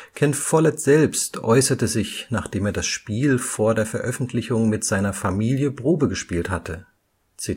Ken Follett selbst äußerte sich, nachdem er das Spiel vor der Veröffentlichung mit seiner Familie probegespielt hatte: „ Ich